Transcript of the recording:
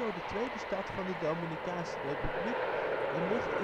de tweede stad van de Dominicaanse Republiek en ligt